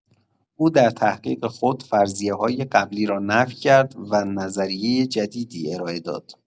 او در تحقیق خود فرضیه‌های قبلی را نفی کرد و نظریه جدیدی ارائه داد.